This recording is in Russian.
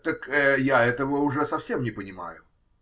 Так я этого уже совсем не понимаю.